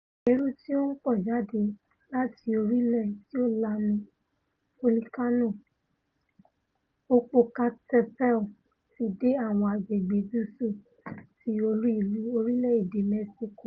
Eérú tí a ńpọ̀ jáde láti orí-ilẹ́ tí ó lanu Fòlìkánò Popocatepetl ti dé àwọn agbègbè̀ gúúsù ti olú-ìlú orílẹ̀-èdè Mẹ́ṣíkò.